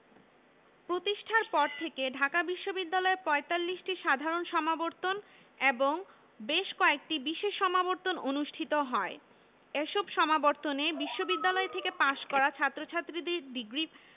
এবং পরবর্তীকালে তাঁর যোগ্য উত্তরসূরি George Harry Langley A F Rahman ড. আর.সি মজুমদার